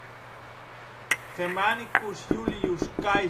Germanicus Julius Caesar